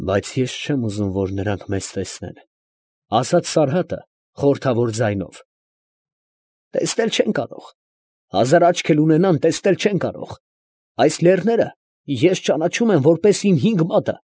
Բայց ես չեմ ուզում, որ նրանք տեսնեն մեզ, ֊ ասաց Սարհատը խորհրդավոր ձայնով։ ֊ Տեսնել չեն կարող, հազար աչք էլ ունենան տեսնել չեն կարող. այս լեռները ես ճանաչում եմ որպես իմ հինգ մատը։